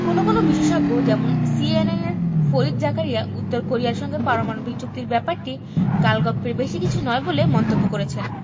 কোনো কোনো বিশেষজ্ঞ যেমন সিএনএনের ফরিদ জাকারিয়া উত্তর কোরিয়ার সঙ্গে পারমাণবিক চুক্তির ব্যাপারটি গালগপ্পের বেশি কিছু নয় বলে মন্তব্য করেছেন